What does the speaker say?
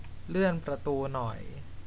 เลื่อนประตูหน่อย